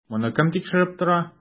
Моны кем тикшереп тора?